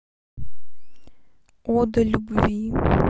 ода любви